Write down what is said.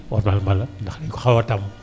waxtaan ba la ndax daénu ko xaw a tàmm